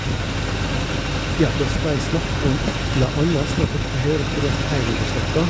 Ja, da skal jeg snakke om et eller anna, sånn at dokker får høre korleis jeg egentlig snakker.